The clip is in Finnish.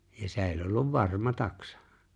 ja se oli ollut varma taksa